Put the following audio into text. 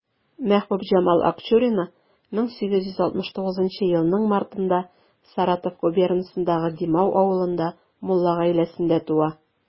Мәхбүбҗамал Акчурина 1869 елның мартында Саратов губернасындагы Димау авылында мулла гаиләсендә туа.